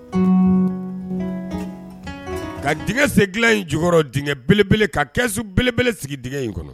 Ka dengɛ sen dilan in jukɔrɔ dengɛ belebele ka kɛsu bele sigi dingɛ in kɔnɔ